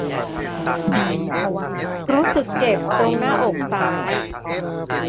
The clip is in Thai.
รู้สึกเจ็บตรงหน้าอกซ้าย